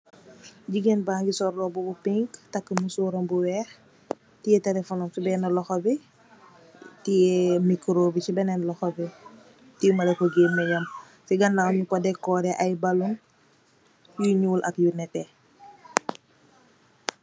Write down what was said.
digen mbagi sol robu bu pinke take mousoram bu wex tiya wahekayam ci bena lohom bi tiya wahekai ci bena lohom bi jamaleko gamenjam ci ganawe njougi ko rafetak takafa wal papu yu njoul ak yu nete